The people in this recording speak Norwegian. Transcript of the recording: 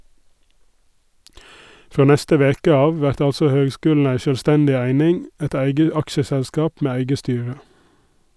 Frå neste veke av vert altså høgskulen ei sjølvstendig eining , eit eige aksjeselskap med eige styre.